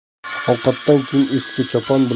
ovqatdan keyin eski chopon